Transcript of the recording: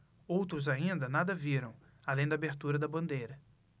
outros ainda nada viram além da abertura da bandeira